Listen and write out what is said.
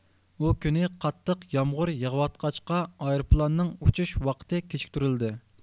ئۇ كۈنى قاتتىق يامغۇر يېغىۋاتقاچقا ئايروپىلاننىڭ ئۇچۇش ۋاقتى كېچىكتۈرۈلدى